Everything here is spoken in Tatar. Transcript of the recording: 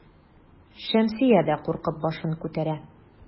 Шәмсия дә куркып башын күтәрә.